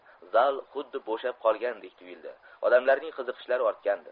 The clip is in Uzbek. zal xuddi bo'shab qolgandek tuyuldi odamlarning qiziqishlari ortgandi